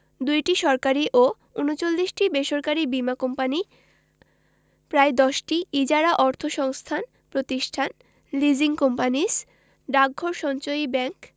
২টি সরকারি ও ৩৯টি বেসরকারি বীমা কোম্পানি প্রায় ১০টি ইজারা অর্থসংস্থান প্রতিষ্ঠান লিজিং কোম্পানিস ডাকঘর সঞ্চয়ী ব্যাংক